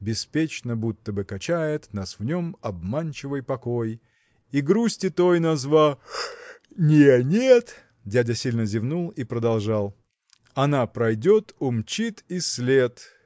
Беспечно будто бы качает Нас в нем обманчивый покой И грусти той назва. нья нет. Дядя сильно зевнул и продолжал Она пройдет умчит и след